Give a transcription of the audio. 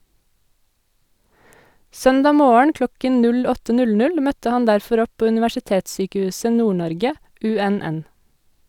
Søndag morgen klokken 08:00 møtte han derfor opp på Universitetssykehuset Nord-Norge (UNN).